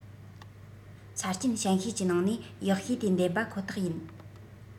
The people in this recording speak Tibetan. ཆ རྐྱེན ཞན ཤོས ཀྱི ནང ནས ཡག ཤོས དེ འདེམས པ ཁོ ཐག ཡིན